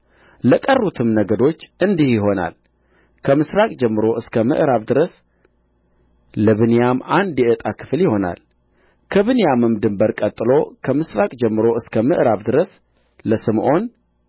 ለቀሩትም ነገዶች እንዲህ ይሆናል ከምሥራቅ ጀምሮ እስከ ምዕራብ ድረስ ለብንያም አንድ የዕጣ ክፍል ይሆናል ከብንያምም ድንበር ቀጥሎ ከምሥራቅ ጀምሮ እስከ ምዕራብ ድረስ ለስምዖን